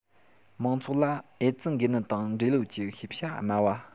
མང ཚོགས ལ ཨེ ཙི འགོས ནད དང འབྲེལ ཡོད ཀྱི ཤེས བྱ དམའ བ